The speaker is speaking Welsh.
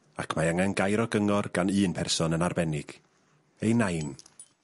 Ac mae angen gair o gyngor gan un person yn arbennig. Ei nain.